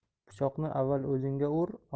pichoqni avval o'zingga